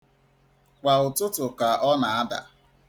Kwa ụtụtụ ka ọ na-ada.